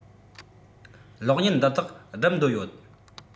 གློག བརྙན འདི དག སྒྲུབ འདོད ཡོད